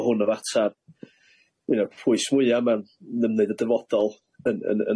bo hwn y fatar, y pwys mwya ma'n ymwneud â dyfodol 'yn 'yn